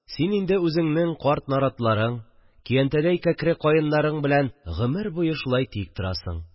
Син инде үзеңнең карт наратларың, көянтәдәй кәкре каеннарың белән гомер буе шулай тик торасың